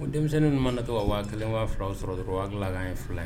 Denmisɛnnin ninnu mana to ka wa kelen wa filaw sɔrɔ dɔrɔn u hakili la ko an ye filan ye